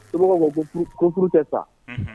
Somɔgɔw ko ko furu tɛ sa. Unhun.